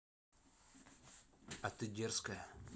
а ты дерзкая